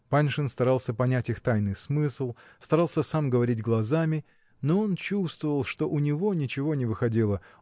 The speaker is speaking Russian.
Паншин старался понять их тайный смысл, старался сам говорить глазами, но он чувствовал, что у него ничего не выходило